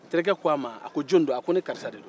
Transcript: tirikɛ k'a ma a ko joni do a ko ne karisa de do